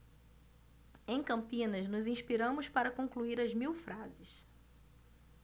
em campinas nos inspiramos para concluir as mil frases